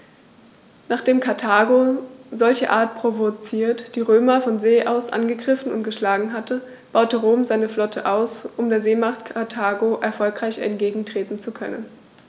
Nachdem Karthago, solcherart provoziert, die Römer von See aus angegriffen und geschlagen hatte, baute Rom seine Flotte aus, um der Seemacht Karthago erfolgreich entgegentreten zu können.